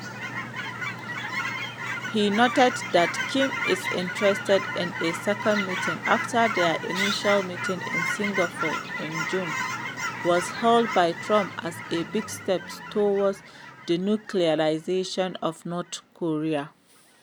He noted that Kim is interested in a second meeting after their initial meeting in Singapore in June was hailed by Trump as a big step toward denuclearization of North Korea.